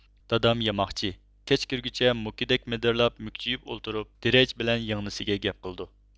دادام ياماقچى كەچ كىرگۈچە موكىدەك مىدىرلاپ مۈكچىيىپ ئولتۇرۇپ دىرەج بىلەن يىڭنىسىگە گەپ قىلىدۇ